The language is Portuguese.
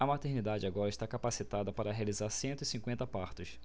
a maternidade agora está capacitada para realizar cento e cinquenta partos